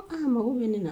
Aa mago bɛ na